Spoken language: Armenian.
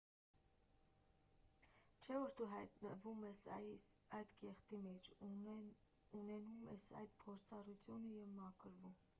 Չէ՞ որ դու հայտնվում ես այդ կեղտի մեջ, ունենում ես այդ փորձառությունը և մաքրվում։